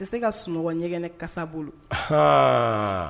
Tɛ se ka sunɔgɔ ɲɛgɛn ne kasa bolo a